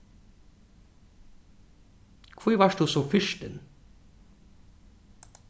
hví vart tú so firtin